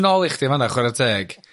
tu ôl i chdi fan'na chwara' teg.